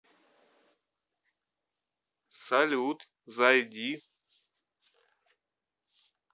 салют зайди